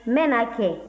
n bɛ na kɛ